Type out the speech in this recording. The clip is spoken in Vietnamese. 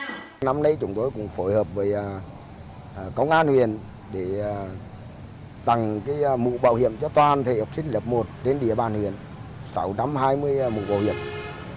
năm nay chúng tôi cũng phối hợp với công an huyện để tặng cái mũ bảo hiểm cho toàn thể học sinh lớp một trên địa bàn huyện sáu trăm hai mươi mũ bảo hiểm